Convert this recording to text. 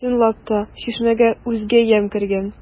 Чынлап та, чишмәгә үзгә ямь кергән.